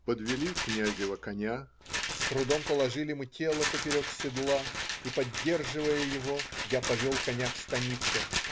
Подвели Князева коня, с трудом положили мы тело поперек седла, и, поддерживая его, я повел коня к станице.